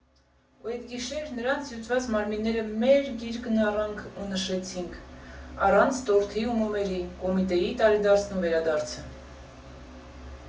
Ու Էդ գիշեր, նրանց հյուծված մարմինները մեր գիրկն առանք ու նշեցինք, առանց տորթի ու մոմերի, Կոմիտեի տարեդարձն ու վերադարձը։